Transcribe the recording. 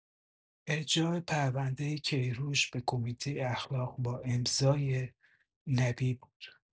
ارجاع پرونده کی‌روش به کمیته اخلاق با امضای نبی بود